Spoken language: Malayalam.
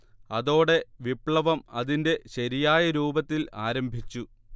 അതോടെ വിപ്ലവം അതിന്റെ ശരിയായ രൂപത്തിൽ ആരംഭിച്ചു